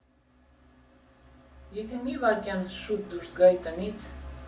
Եթե մի վայրկյան շուտ դուրս գայի տնից…